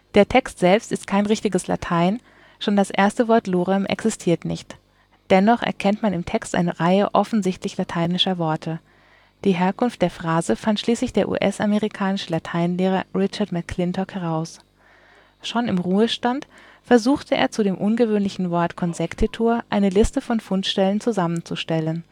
selbst ist kein richtiges Latein, schon das erste Wort „ Lorem “existiert nicht. Dennoch erkennt man im Text eine Reihe offensichtlich lateinischer Worte. Die Herkunft des Phrase fand schließlich der US-amerikanische Lateinlehrer Richard McClintock heraus: schon im Ruhestand versuchte er zu dem ungewöhnlichen Wort „ consectetur “eine Liste von Fundstellen zusammenzustellen